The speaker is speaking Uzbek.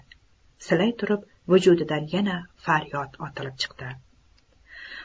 silay turib vujudidan yana faryod otilib chiqdi